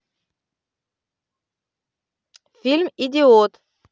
фильм идиот